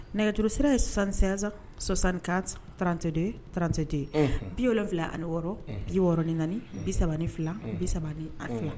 Nɛgɛurusi yesɛnsan sɔsanka trantete trantete biy wolonwula ani wɔɔrɔ bi wɔɔrɔɔrɔn ni naani bi3 ni fila bisa ni ani fila